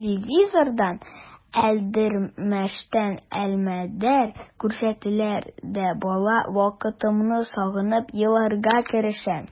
Телевизордан «Әлдермештән Әлмәндәр» күрсәтсәләр дә бала вакытымны сагынып еларга керешәм.